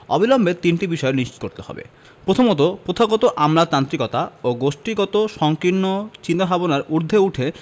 অবিলম্বে তিনটি বিষয় নিশ্চিত করতে হবে প্রথমত প্রথাগত আমলাতান্ত্রিকতা ও গোষ্ঠীগত সংকীর্ণ চিন্তাভাবনার ঊর্ধ্বে উঠে